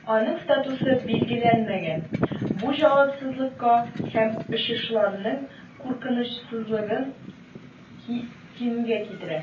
Аның статусы билгеләнмәгән, бу җавапсызлыкка һәм очышларның куркынычсызлыгын кимүгә китерә.